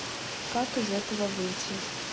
как из этого выйти